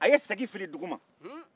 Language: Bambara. a ye sɛgi fili dugu ma